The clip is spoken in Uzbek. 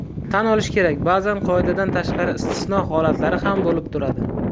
tan olish kerak ba'zan qoidadan tashqari istisno holatlar ham bo'lib turadi